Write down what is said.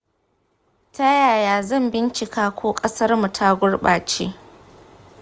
ta yaya zan bincika ko ƙasarmu ta gurɓace?